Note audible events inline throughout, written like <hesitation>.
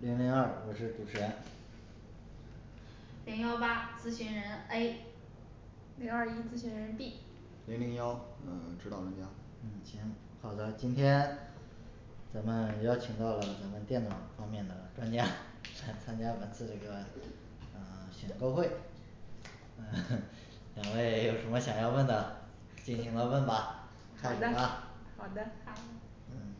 零零二我是主持人零幺八咨询人A 零二一咨询人B 零零幺嗯指导专家嗯行，好的，今天咱们邀请到了咱们电脑方面的专家 <noise> 来参加本次这个嗯 <silence> 选购会嗯 <noise> 两位有什么想要问的尽情的问吧好开始的吧好的好嗯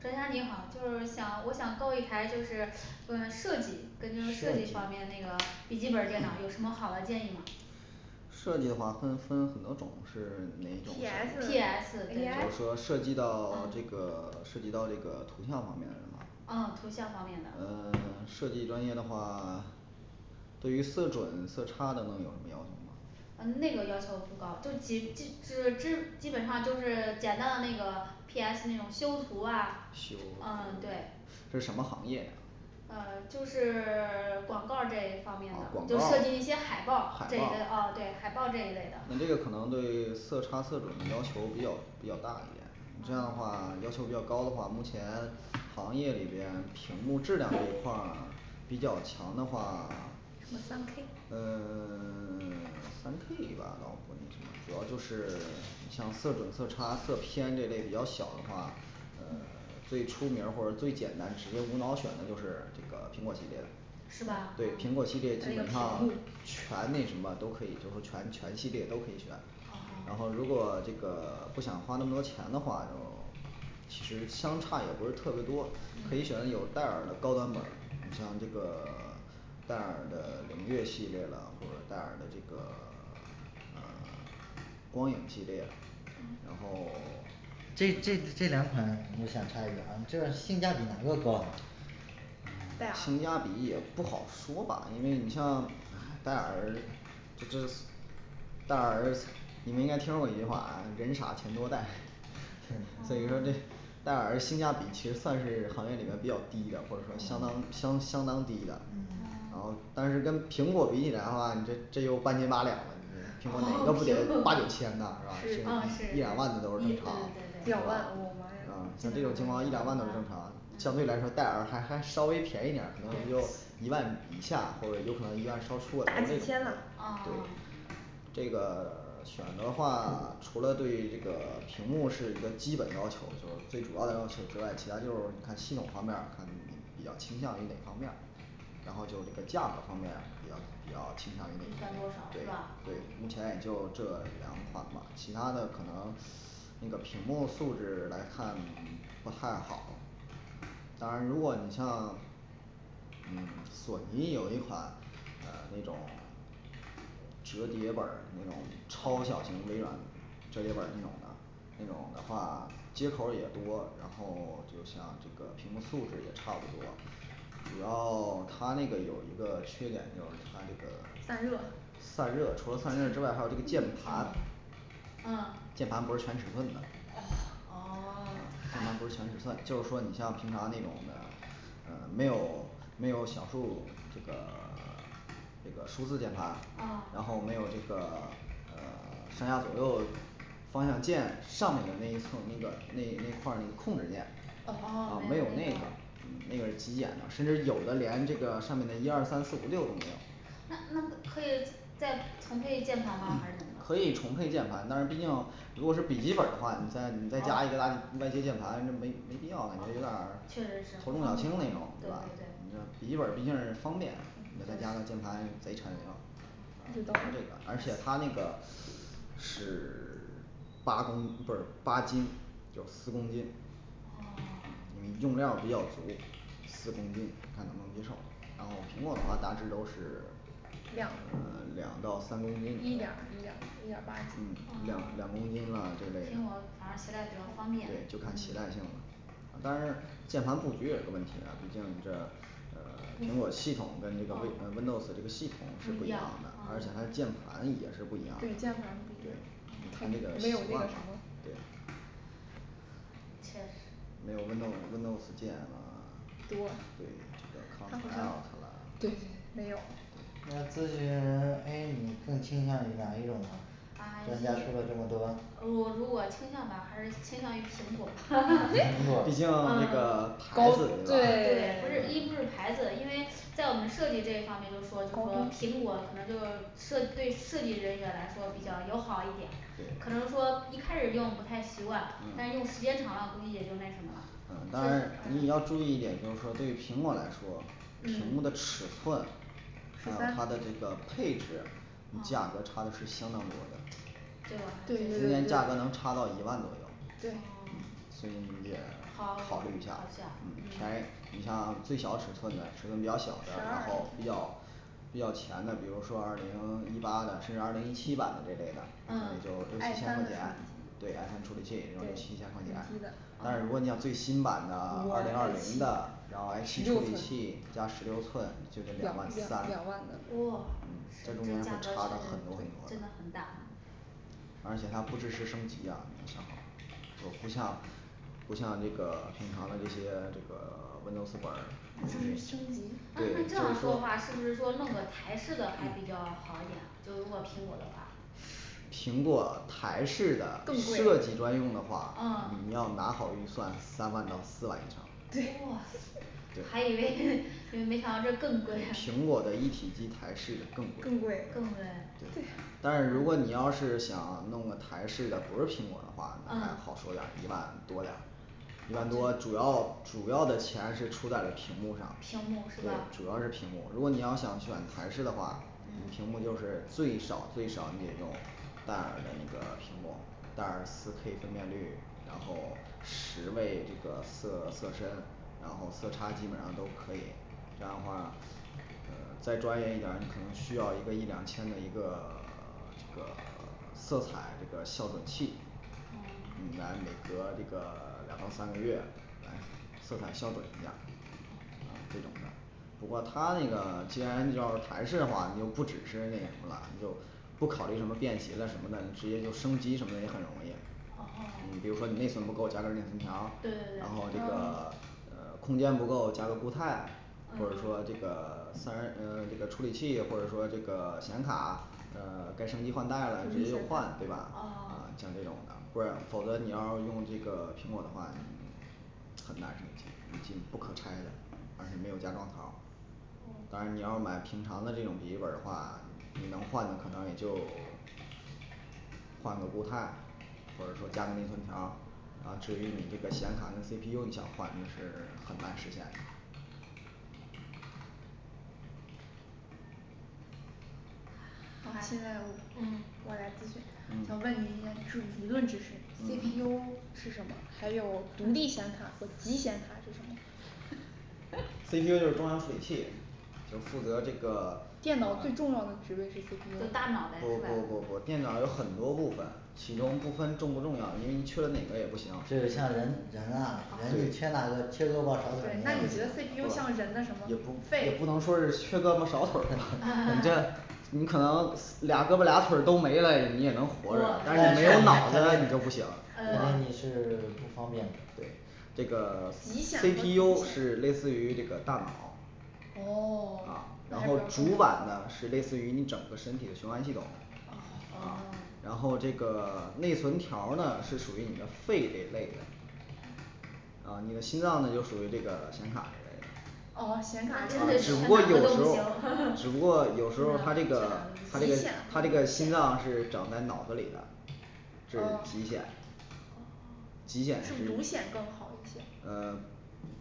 专家您好，就是想我想购一台就是关于设计方面跟设设计计方面那个笔记本儿电脑有什么好的建议吗设计的话分分很多种，是哪种也 P P S A 就是 S I 说涉及到这嗯个涉及到这个图像方面是吗？嗯嗯图像方面的设计专业的话对于色准色差的你有什么要求吗？，呃那个要求不高就其其至知基本上就是简单的那个P S那种修图啊修嗯图对这是什么行业的啊就是 <silence> 广告这一方面的就设计那些海报海这一类，报啊对海报这一类的，那这个可能对色差色准的要求比较比较大一点这样的话要求比较高的话，目前行业里边屏幕质量这一块儿比较强的话那三K 嗯 <silence> 三K吧倒不至于，主要就是像色准色差色偏这类比较小的话呃最出名儿或者最简单直接无脑选的就是这个苹果系列的，是吧，对苹果系那列个基本屏上幕全那什么都可以就是全全系列都可以选哦然后如果这个不想花那么多钱的话，其实相差也不是特别多嗯，可以选择有戴尔的高端本。你像这个戴尔的灵越系列了或者戴尔的这个嗯光影系列嗯然后这这这两款我想插一句啊，这性价比哪个高啊嗯戴尔性价比也不好说吧，因为你像戴尔就这戴尔你们应该听说过一句话，人傻钱多戴所以说这戴尔性价比其实算是行业里面比较低的，或者说相当哦相相当低的。然后哦 <noise> 但是跟苹果比起来的话，你这这又半斤八两了，苹果哪个不得八九千呢是是嗯吧？是是一，两万的嗯都是对正常对对一两万啊像这种情况一两万都正常，相对来说戴尔还还稍微便宜点儿，可能就一万以下或者有可能一万稍出个头大儿这几千种的呢对哦这个 <silence> 选择的话除了对这个屏幕是一个基本的要求，就最主要的要求之外，其他看系统方面看你比较倾向于哪方面儿然后就这个价格方面比较比较没倾向于哪一差点多，少对是对，目吧前也就这两款吧其他的可能那个屏幕素质来看不太好当然如果你像嗯索尼有一款呃那种嗯折叠本儿，那种超小型微软折叠本儿那种的那种的话接口儿也多，然后就像这个屏幕素质也差不多主要 <silence> 它那个有一个缺点，就是它这个散热散热除了散热之外还有这个键盘哦键盘不是全尺寸的哦呃键盘不是全尺寸，就是说你像平常那种的呃没有没有小数这个这个数字键盘，哦然后没有这个呃上下左右方向键上面的那一横那个那那块儿那个控制键哦啊没有那个嗯那个是极简的，甚至有的连这个上面的一二三四五六都没有。那那可以再重配键盘吗？还是怎么可以重配着，键盘，但是毕竟如果是笔记本儿的话你再你再加一哦个大外接键盘，那没没必要感觉有点儿头确实是头重脚轻那种对对吧？对对笔记本儿毕竟是方便嗯再加个键盘贼沉是吧？这个而且它那个是 <silence> 八公不是八斤就是四公斤哦你用料比较足，四公斤看能不能接受，然后苹果的话大致都是两两到三公一斤点儿零一二八嗯两两公斤吧这类的，苹果好像携带比较方便对就看携带性当然键盘布局也是个问题呢，毕竟这呃苹果系统跟这个威啊 Windows这个系统是不不一一样样的，而且它哦键盘也是不一对键盘样的不，一对样，，你看这个对没有那个什么是没有Windows Windows键啦。多对这个capslock啦对没有那咨询人A你更倾向于哪一种呢啊专家说了这么多啊我如果倾向的还是倾向于苹果吧 <noise> 毕竟 <noise> 这个牌子对吧，嗯对不是一不是牌子，因为在我们设计这一方面，就说这个苹果可能就设对设计人员来说比较友好一点对可能说一开始用不太习惯，但是嗯用时间长了估计也就那什么了呃当然你也要注意一点，就是说对于苹果来说，屏嗯幕的尺寸还有好的它的这个配置，你价格差的是相当多的对吧对之对对间价格能差到一万左右。对好所以你也好考考虑虑一一下下嗯，你像最小尺寸的尺寸比较小十的，然二后比较比较前的，比如说二零一八的，甚至二零一七版的这类的，也嗯就六 I 七千块钱三。对，I三处理器也就六对七千块钱，但是如果你要最新版的二零二零的，然后I 十七处六理器寸加十六寸，就得两两万三两，两万哇的了嗯这这价中间格实会在差了很多很是真得多很大而且它不支持升级呀，就不像不像这个平常的这些这个Windows本儿不支持升级啊那对这就样是说说的话，是不是说弄个台式的还比较好一点，就如果苹果的话苹果台式的更设贵计专用的话，啊你要拿好预算三万到四万以上对哇 <noise> 噻 <silence> 对还以为是没想到这更贵苹果 <noise> 的一体机台式的更更贵贵更贵对对但是如果你要是想弄个台式的不是苹果的话，那还嗯好说点儿一万多点儿一万多主要主要的钱是出在了屏幕上，屏幕是对吧主要是屏幕，如果你要想选台式的话，你屏幕就是最少最少你也用戴尔的那个屏幕，戴尔四k分辨率，然后十位这个这色色身，然后色差基本上都可以，这样的话呃再专业一点儿你可能需要一两千的一个 <silence> 一个色彩这个效果器，哦来每隔这个两到三个月来色彩校准一下呃这种的。不过它那个既然要是台式的话，你就不只是那什么了，你就不考虑什么便携的什么的，你直接就升级什么的也很容易哦好你比如说你内存不够加根内存条儿对，然后对对这个嗯空间不够加个固态或者嗯说这个散热 <unintelligible> 嗯这个处理器或者说这个显卡嗯该升级换代了直接就换对吧？哦 <silence> 像这种的不然，否则你要用这个苹果的话你，很难升级已经不可拆了，而且没有加钢槽。当然你要买平常的这种笔记本的话，你能换的可能也就换个固态，或者说加个内存条儿，啊至于你这个显卡的C P U，你想换那是很难实现那现在我嗯我来咨询一下我嗯问您一个是理论知识，C P U 嗯是什么还有独立显卡和极显卡是什么？C P U就是中央处理器就负责这个电脑最重要的职位是指什 <noise> 就么大脑呗不不不不，电脑有很多部分其中不分重不重要因为你缺了哪个也不行这个像人人啊人你缺哪个缺胳膊少腿儿那那也你觉得C P 不行 U 像人的什也么不，也肺不能说是缺胳膊少腿儿你可能俩胳膊俩腿儿都没了，你也能活着，但是你没有脑子你就不肯行定你嗯是不方便的，对这个极显 C 呢 P U是类似于这个大脑哦 <silence> 然后主板呢是类似于你整个身体的循环系统，啊然后这个内存条儿呢是属于你的肺这类的，啊你的心脏呢就属于显卡这类的哦显卡那真的只是少不过了哪有个都不时候行 <noise> 只不过有时候它这个它这极个显它这个心脏是长在脑子里的，这是哦极显极显是。是独显更好一些？嗯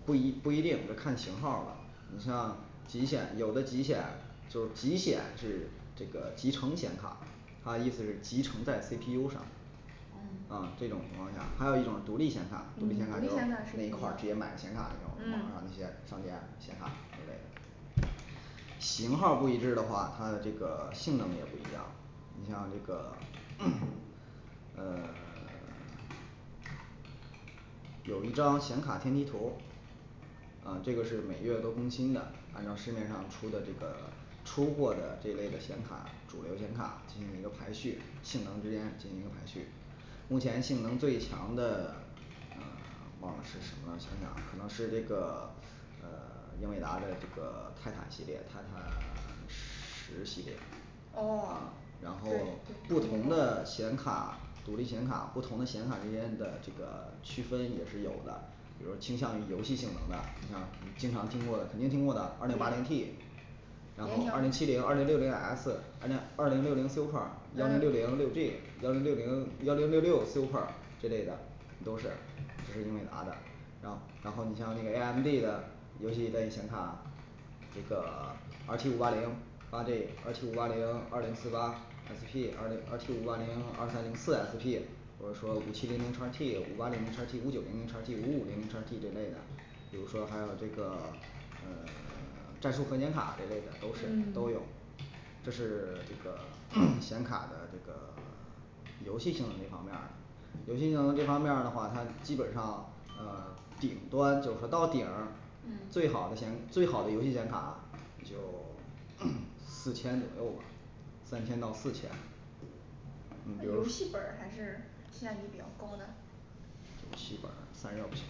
不一不一定要看型号了，你像极显有的极显就极显是这个集成显卡，它的意思是集成在C P U上嗯啊这种东西还有一种独立显卡嗯独立显独卡就立显卡是那一什么块儿直接买显卡，嗯那些商店显卡之类的型号儿不一致的话，它的这个性能也不一样你像这个 <crosstalk> 呃 <silence> 有一张显卡拼集图，嗯这个是每月都更新的，按照市面上出的这个出过的这类的显卡，主流显卡进行一个排序，性能之间进行一个排序目前竞争最强的忘了是什么想想可能是这个呃英伟达的这个泰坦系列，泰坦 <silence> 十系列哦 <silence> 然后不同的显卡之间的这个区分也是有的，比如倾向于游戏性能的，经常你经常听过的肯定听过的二零八零P 然后二零七零二零六零S二零二零六零super幺零六零六G幺零六零幺零六六super之类的，都是这是英伟达的然后然后你像那个A M D的游戏类显卡，那个二七五八零八G二七五八零二零四八S P二零二七五八零二三四S P，或者说五七零零叉T五八零零叉T五九零零叉T五五零零叉T这类的，比如说还有这个战术核减卡之类的都是都有。这是这个显卡的这个游戏性能这方面儿游戏性能这方面的话，它基本上呃顶端就是到顶最好的性能最好的点卡就四千左右吧三千到四千。你那比如游戏本儿还是性价比比较高的游戏本儿散热不行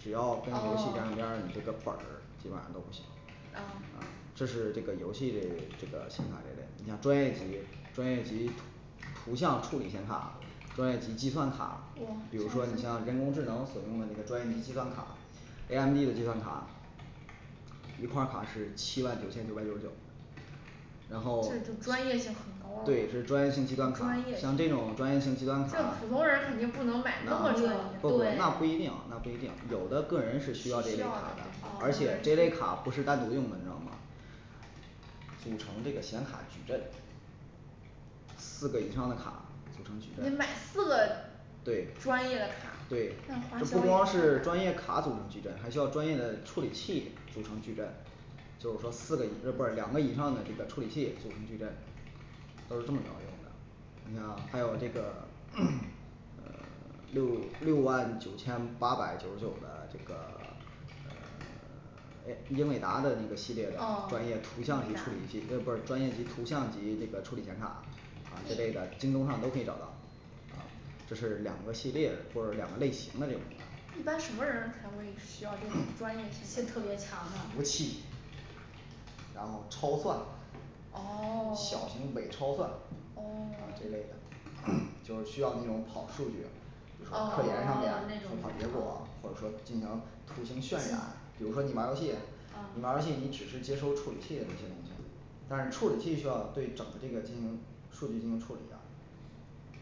只要哦跟游戏沾边儿，<silence> 你这个本儿基本上都不行。嗯这是这个游戏类这个显卡这类的，你像专业级专业级图像处理显卡，专业级计算卡，比如说你像人工智能所用的那个专业级计算卡，A M D的计算卡一块儿卡是七万九千九百九十九然后这就专业性很高啊对这是专业性计算专卡业像这种专业性计算这卡普通人肯定不能买那么专性的不不那对不一定那不一定，有的个人是需需需要要的这类的啊，而且这类卡不是单独用的知道吗组成这个显卡矩阵，四个以上的卡组成矩阵，你买四个对专业的卡对那这不花光销也是专业卡，组成矩阵还需要专业的处理器组成矩阵就是说四个以不是两个以上的这个处理器组成矩阵，都是这么着用的。 你像还有这个 <crosstalk> 呃 <silence> 诶英伟达的那个系列哦的专业英图伟像级处理达器，不是专业级图像级这个处理显卡反正这类的，京东上都可以找到。啊这是两个系列的或者两个类型的这种一般什么人，他会需要这种专业性特别强服的务器然后超算哦 <silence> 小型伪超算这类的，哦 <crosstalk> 就是需要那种跑数据，比如说啊科研上哦那面说种的跑结果或者说进行图形渲染，比如说你玩儿游戏，你啊玩儿游戏你只是接收处理器的那些东西，但是处理器需要对整个这个进行数据进行处理啊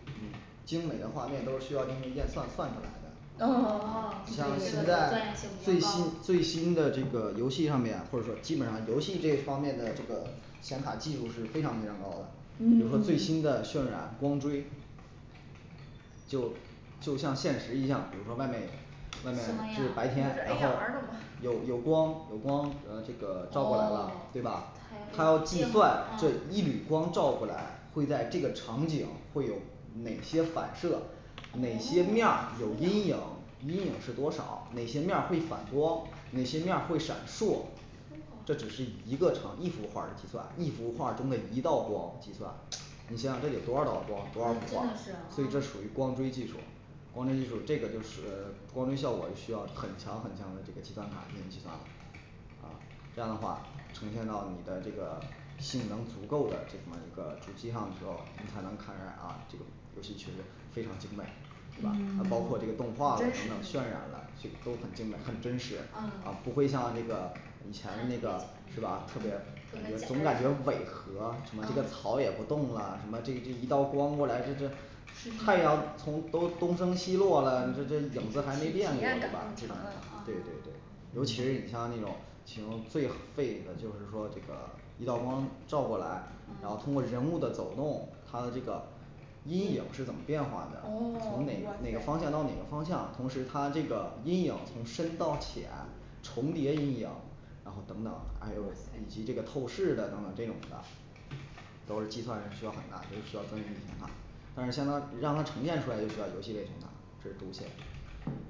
嗯精美的画面都是需要进行验算算出来的，哦 <silence> 嗯 <silence> 像现在最新最新的这个游戏上面，或者说基本上游戏这方面的这个显卡技术是非常非常高的，比如说最新的渲染光追就就像现实一样，比如说外面外什么面就是白呀天，然后有有光有光这个照过来了哦，对吧？ 他要计算这一缕光照过来会在这个场景会有哪些反射哪些哦面儿有阴影，阴影是多少，哪些面儿会反光，哪些面儿会闪烁这只是一个长一幅画的计算，一幅画中的一道光计算，你想想这得多少道光多少哦幅真画的是，所以这属于光追技术光追技术这个就是呃光追效果就需要很强很强的这个计算卡进行计算了。啊这样的话呈现到你的这个性能足够的这么一个主机上的时候，你才能看啊这个游戏确实非常精美嗯对吧？还包括这个动画等真等渲实染啊了，这些都很精美很真实啊，不会像这个以前的那个是吧，特别感觉总感觉违和什么这个草也不动了，什么这这一道光过来这这太阳从都东升西落了，这这影子还没体变过验对吧感这种的，对对对嗯。尤其是你像那种形容最废的，就是说这个一道光照过来，然后通过人物的走动，它的这个阴影是怎么变化的，从哦哪哪个方向到哪个方向，同时它这个阴影从深到浅重叠阴影，然后等等还有以及这个透视的等等这种的都是计算是需要很大，都是需要专业人员嘛，但是相当让他重建出来就需要游戏类型的。这是独显。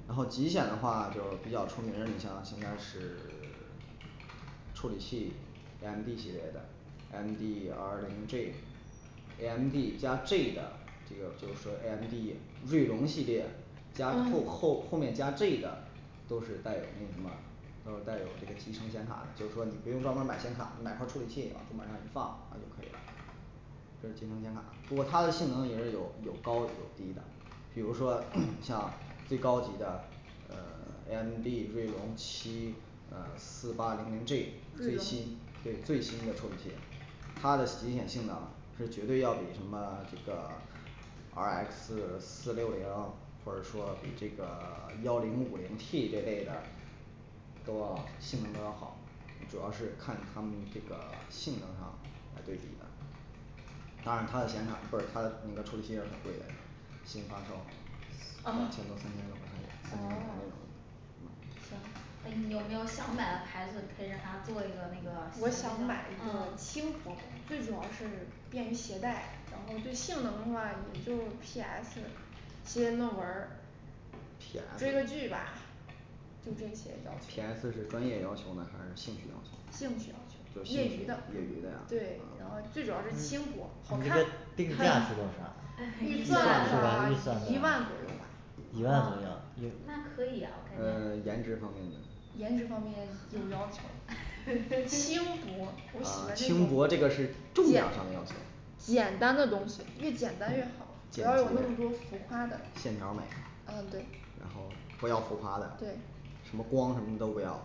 然后极显的话就是比较出名，你像现在是处理器M D系列的 M D R零G， M D加G的，这个就是说M D瑞龙系列加后哦后后面加G的，都是带有那什么都是带有集成显卡的，就是说你不用专门买显卡，你买块处理器然后往上一放然后就可以了这是极能显卡，如果它的性能也是有有高有低的，比如说像最高级的呃 M D、瑞龙七呃四八零零G 瑞最龙新对最新的处理器，它的极显性能是绝对要比什么这个 R X四六零或者说比这个幺零五零T这类的，都要性能都要好，主要是看它们这个性能啊来对比的，当然它的显卡不是它的那个处理器也是很贵的新发售哦哦行呃你有没有想买的牌子可以让他做一个那个我想买一个嗯轻薄最主要是便于携带，然后对性能的话也就是P S 写写论文儿 P 追个 S 剧吧就这些要 P S是专业求要求还是兴趣要兴趣要求？求业业余余的的呀，对，然后最主要是轻薄好你看这 <noise> 定价是多少预算的话一万左右吧一万左右那可以啊 <noise> 呃颜值方面呢，颜值方面就要求轻薄啊轻薄这个是重量方面的简单的东西越简单越好简不洁要的有那么多浮夸的线条美儿，呃对然后不要浮夸的，对什么光什么都不要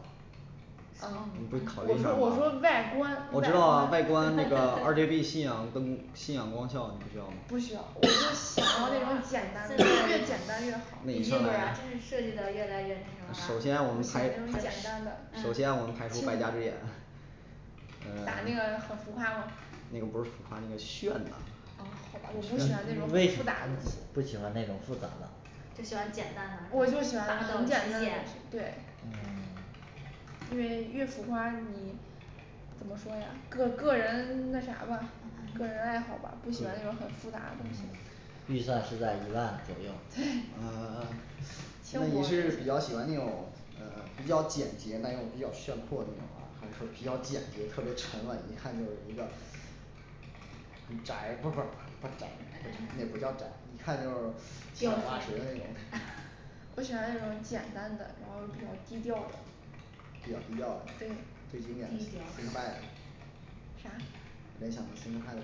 呃你不考虑我一下说我说吗外观外观我知道啊外观那个二G B新阳跟新阳光效你不需要吗不需要，就喜欢那种简单的越简单 <hesitation> 越好 <noise> 那你笔记本上儿来啊设计的越来越，，首先我们那种排简单的排首嗯先我们排除了败家之眼咋那个很浮夸吗那个不是浮夸那个炫呐哦好吧，我不喜欢那种为什复么杂的不喜欢那种复杂的就喜欢简单的，我就喜欢很简单的东西对嗯因为越浮夸你，怎么说呀个个人那啥吧个人爱好吧，不喜欢那种很复杂的东西预算是在一万左右对 <noise> 呃轻那你是比薄较喜欢那种呃比较简洁但又比较炫酷的那种啊还是比较简洁特别沉稳一看就是比较宅不不不是宅那不就宅一看就是七老八十那种我喜欢那种简单的然后比较低调的比较低调的对最经典啥联想的新动态的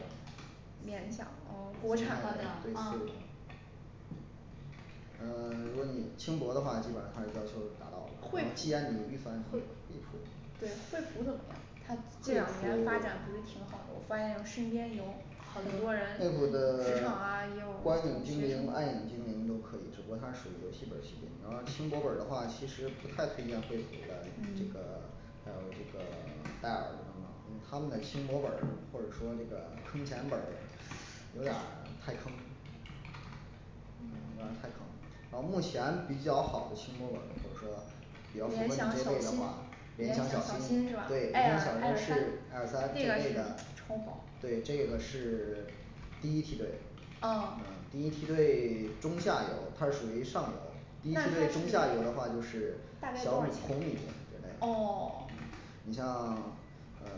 联想哦国产的嗯如果你轻薄的话，基本上它是要求达到了然后既会然你预算对惠普怎么样它这两惠年发展普的就挺好的，我发现我身边有很多人那会儿职的场啊也有光影同精学生灵暗影精灵都可以，只不过它属于游戏本儿，然后轻薄本的话其实不太推荐惠普的这个还有这个戴尔等等，因为他们的轻薄本或者说这个坑钱本有点太坑有点儿太坑了。然后目前比较好的轻薄本儿就是说比联较符合想你这小类的新话，联联想想小小新新是吧对联想，Air 三啊小新是 Air三，这那个类是的超薄。对这个是第一梯队，啊第一梯队中下游它是属于上游，第一梯那队中下游它的话就是大概多小少米钱红米之类的。 嗯哦你像呃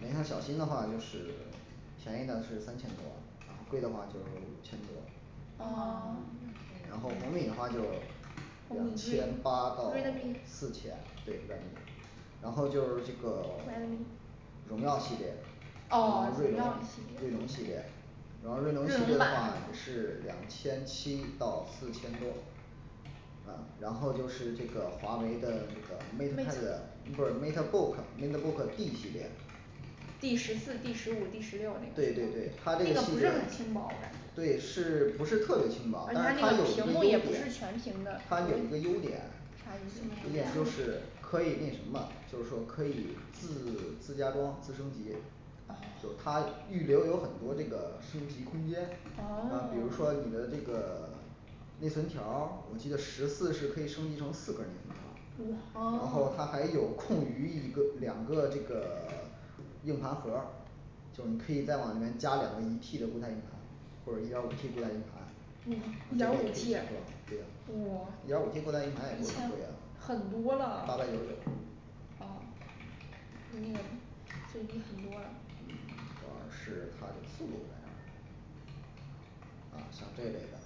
联想小新的话，就是便宜的是三千多，然后贵的话就是五千多，哦哦哦然后红米的话就红两米千八到 Redmi 四千对Redmi 然后就是这个荣耀系列哦锐荣龙耀，锐龙系系列列，然后锐龙系锐列龙的话吧是两千七到四千多然然后就是这个华为的那个 mates mates的不是matebook，matebookD系列第十四第十五第十六这对，个对，对它这这个个系不是列很轻薄的对是不是特别轻薄，但而是且它它那个有一屏个优幕也点不是全屏的它有一个优点啥什么优点优优点点就是可以那什么就是说可以自自加装自升级就它预留有很多这个升级空间哦，比如说你的这个内存条儿，我记得十四是可以升级成四个嗯，哦然后它还有空余一个两个硬盘盒儿就是你可以再往里面加两个一T的固态硬盘，或者一点儿五T固态硬盘一点儿五T 对啊哇一点儿五T固态硬盘也不是太贵啊很多八了百九十九哦啊像这类的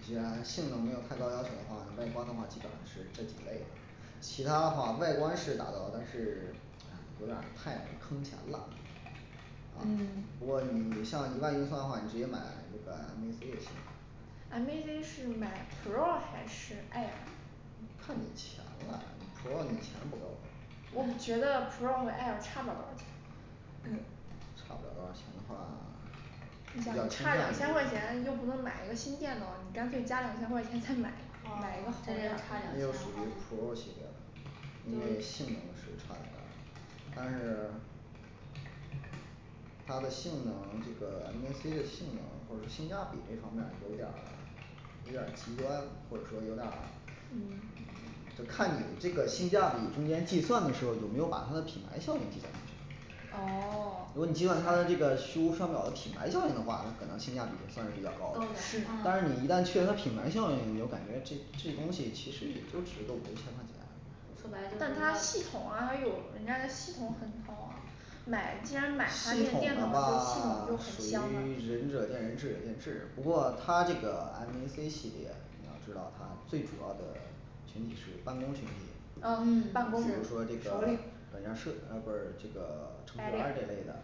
一些性能没有太大的损耗外观的话基本上是这几类的其他的话外观是达到了但是，有点儿太坑钱了啊不过你像一万预算的话，你直接买那个M A C也行嗯M A C是买Pro还是I 看你钱了，Pro你钱不够。我觉得Pro和Air差不了多少钱，差不了多少钱的话，你想差两千块钱又不能买一个新电脑你干脆加两千钱再买一个买个哦好这就点儿的差两那千就属于了 Pro系列的因为性能是差不了多少的但是它的性能这个M A C的性能或者性价比这方面儿有点儿有点儿极端或者说有点儿嗯这看你这个性价比中间计算的时候，有没有把它的品牌效应计算进去哦是如果你计算它的这个虚无缥缈的品牌效应的话，可能性价比算是比较高的高的，但是嗯你一旦去了它品牌效应，你就感觉这这东西其实也就值个五六千块钱但它系统啊还有人家的系统很好啊买既然买系统的回来这个电脑就系统话就很属香于了仁者见仁，智者见智，不过它这个M A C系列你要知道它最主要的群体是办公群体嗯办公比举如说个是这个例市呃不是这个城市园儿这类的，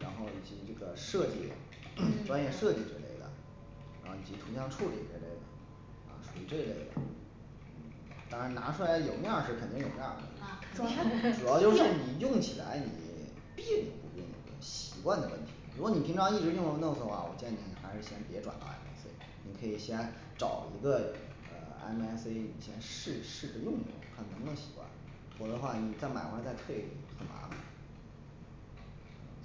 然后以及这个设计 <crosstalk> 专业设计这类的然后以及图像处理之类的，属于这一类的。 当然拿出来有面儿是肯定有面儿的，主要就是你用起来你别扭不别扭习惯的问题，如果你平常一直用着Windows的话，我建议你还是先别转M A C，你可以先找一个 M A C你先试试着用着看能不能习惯，否则的话你再买回来再退就麻烦